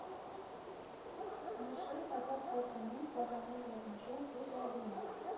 Мышы, татар халкының, казанның язмышын күз алдына